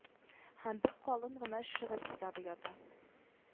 Һәм бер калын гына шигырь китабы ята